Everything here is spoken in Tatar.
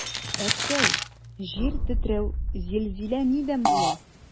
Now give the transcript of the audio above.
Әткәй, җир тетрәү, зилзилә нидән була?